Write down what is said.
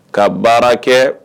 Ka baara kɛ